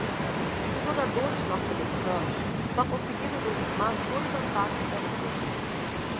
os jogadores norte-americanos só conseguiram desarmar dois ataques da romênia